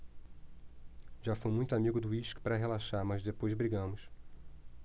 já fui muito amigo do uísque para relaxar mas depois brigamos